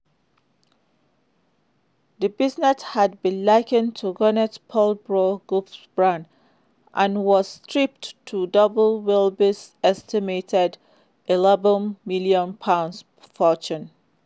The business had been likened to Gwyneth Paltrow's Goop brand and was tipped to double Willoughby's estimated £11 million fortune.